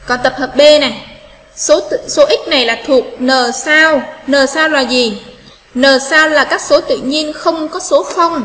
các tập hợp b này số này là thuộc n sao n sao là gì n c là các số tự nhiên không có số